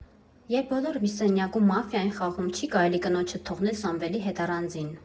Երբ բոլորը մի սենյակում մաֆիա են խաղում, չի կարելի կնոջդ թողնել Սամվելի հետ առանձին։